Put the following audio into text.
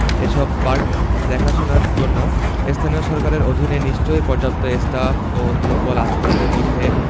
এসব পার্ক দেখাশোনার জন্য স্থানীয় সরকারের অধীনে নিশ্চয়ই পর্যাপ্ত স্টাফ ও লোকবল আছে তাদের মধ্যে